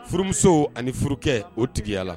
Furumuso ani furu kɛ o tigiya